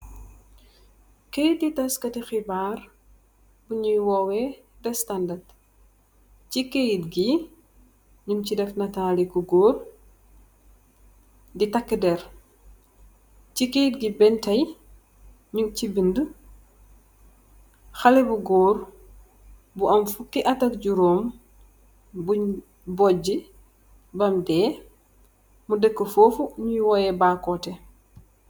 Kaitu tas katu khibar si kait bi nyun fa binda hale bu gorr.